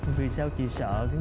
vì sao chị sợ